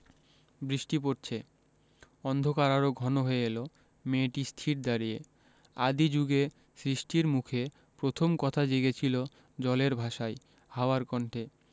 বৃষ্টি পরছে অন্ধকার আরো ঘন হয়ে এল মেয়েটি স্থির দাঁড়িয়ে আদি জুগে সৃষ্টির মুখে প্রথম কথা জেগেছিল জলের ভাষায় হাওয়ার কণ্ঠে